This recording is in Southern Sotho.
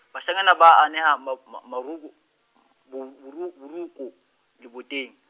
bashanyana ba aneha ma- ma- marukgu , bo-, boru-, boroku, leboteng.